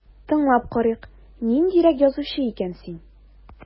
Тыңлап карыйк, ниндирәк язучы икән син...